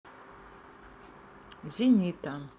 зенита